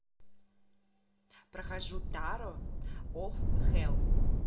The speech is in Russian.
прохожу таро of hell